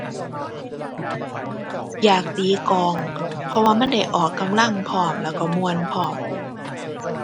อยากตีกลอง เพราะว่ามันได้ออกกำลังพร้อม แล้วก็ม่วนพร้อม